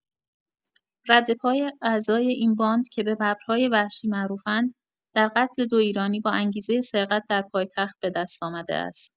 ردپای اعضای این باند که به ببرهای وحشی معروفند، در قتل دو ایرانی باانگیزه سرقت در پایتخت به‌دست‌آمده است.